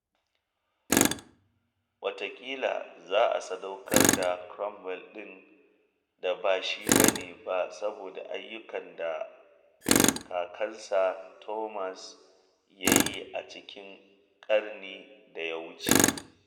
Wataƙila za a sadaukar da Cromwell ɗin da ba shi bane ba saboda ayyukan da kakansa Thomas ya yi a cikin ƙarni da ya wuce.